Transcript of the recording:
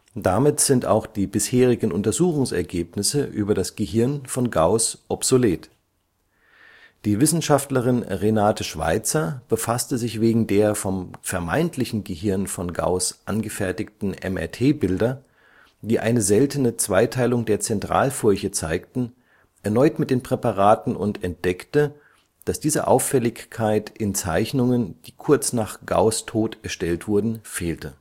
Damit sind auch die bisherigen Untersuchungsergebnisse über das Gehirn von Gauß obsolet. Die Wissenschaftlerin Renate Schweizer befasste sich wegen der vom vermeintlichen Gehirn von Gauß angefertigten MRT Bilder, die eine seltene Zweiteilung der Zentralfurche zeigten, erneut mit den Präparaten und entdeckte, dass diese Auffälligkeit in Zeichnungen, die kurz nach Gauß ' Tod erstellt wurden, fehlte